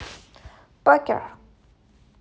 poker